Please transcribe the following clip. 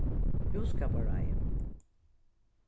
búskaparráðið